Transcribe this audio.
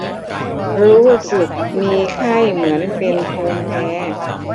รู้สึกมีไข้เหมือนเป็นภูมิแพ้